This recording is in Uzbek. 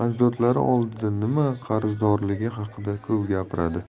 ajdodlari oldida nima qarzdorligi haqida ko'p gapiradi